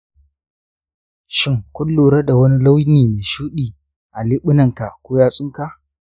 shin kun lura da wani launi mai shuɗi a leɓunanka ko yatsunka?